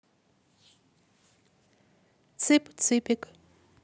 цып цыпик